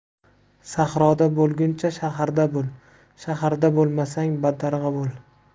sahroda bo'lguncha shaharda bo'l shaharda bo'lmasang badarg'a bo'l